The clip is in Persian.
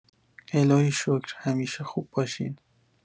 الهی شکر همیشه خوب باشین